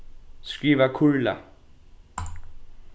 skriva kurla